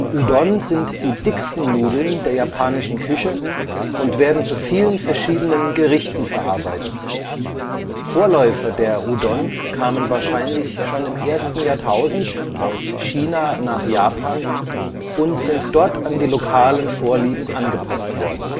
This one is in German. Udon sind die dicksten Nudeln der japanischen Küche und werden zu vielen verschiedenen Gerichten verarbeitet. Vorläufer der Udon kamen wahrscheinlich schon im ersten Jahrtausend aus China nach Japan und sind dort an die lokalen Vorlieben angepasst worden